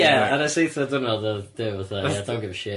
Ie ar y seithfed diwrnod o'dd Duw fatha ia don't give a shit.